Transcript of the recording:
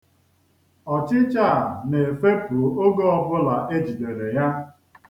Ọchịcha a na-efepu oge ọbụla e jidere ya.